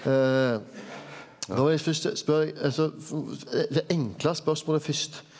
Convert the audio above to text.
då vil eg først spørje deg altså det enkle spørsmålet fyrst.